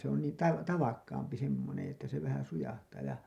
se on niin - tavakkaampi semmoinen että se vähän sujahtaa ja